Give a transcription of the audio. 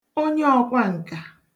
onye ọ̀kwaǹkà